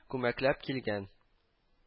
Күмәкләп килгән